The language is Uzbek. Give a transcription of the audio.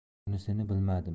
bunisini bilmadim